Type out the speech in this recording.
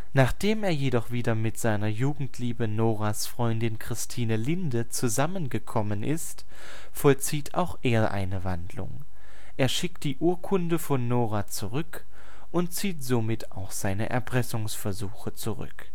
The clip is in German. Nachdem er jedoch wieder mit seiner Jugendliebe, Noras Freundin Christine Linde, zusammengekommen ist, vollzieht auch er eine Wandlung. Er schickt die Urkunde an Nora zurück und zieht somit auch seine Erpressungsversuche zurück